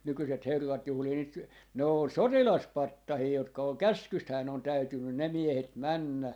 nykyiset herrat juhlii nyt ne on sotilaspatsaita jotka on käskystähän ne on täytynyt ne miehet mennä